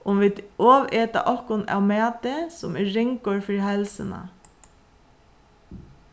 um vit oveta okkum av mati sum er ringur fyri heilsuna